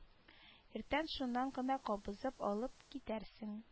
Иртән шуннан гына кабызып алып китәрсең